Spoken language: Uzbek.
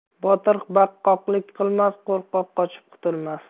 botir baqqollik qilmas qo'rqoq qochib qutulmas